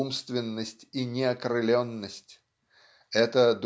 умственность и неокрыленность. Это